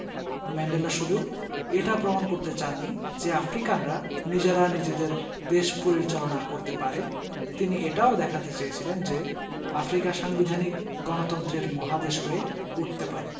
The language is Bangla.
ম্যান্ডেলা শুধু এটা প্রমাণ করতে চাননি যে আফ্রিকানরা নিজেরা নিজেদের দেশ পরিচালনা করতে পারে তিনি এটাও দেখাতে চেয়েছিলেন যে আফ্রিকা সাংবিধানিক গণতন্ত্রের মহাদেশ হয়ে উঠতে পারে